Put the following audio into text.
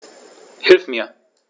Hilf mir!